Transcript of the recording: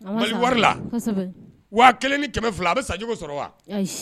Wari la wa kelen ni kɛmɛ fila a bɛ sajugu sɔrɔ wa